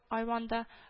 Айванда